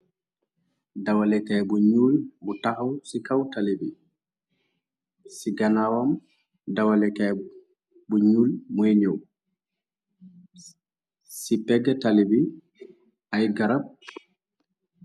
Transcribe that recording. dawalekaay bu ñuul bu taxaw ci kaw talibi ci ganaawam dawalekaay bu ñuul moy new ci pegg tali bi ay garab